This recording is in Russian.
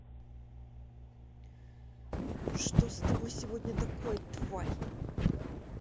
что с тобой сегодня такое тварь